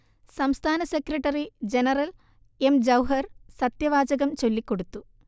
സംസ്ഥാന secretary general M Jouhar സത്യവാചകം ചൊല്ലികൊടുത്തു